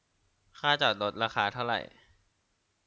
ค่าจอดรถราคาเท่าไหร่